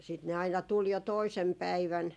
ja sitten ne aina tuli jo toisena päivänä